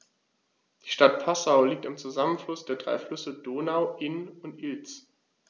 Die Stadt Passau liegt am Zusammenfluss der drei Flüsse Donau, Inn und Ilz.